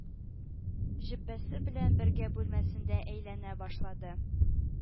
Җөббәсе белән бергә бүлмәсендә әйләнә башлады.